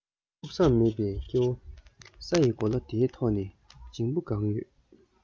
ཕུགས བསམ མེད པའི སྐྱེ བོ ས ཡི གོ ལ འདིའི ཐོག གནས སྙིང པོ གང ཡོད